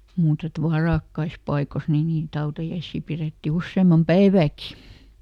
mutta että varakkaissa paikoissa niin niitä hautajaisia pidettiin useamman päivääkin